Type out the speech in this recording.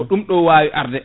ɗum ɗo wawi arde